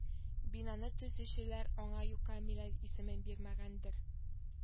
Бинаны төзүчеләр аңа юкка милләт исемен бирмәгәндер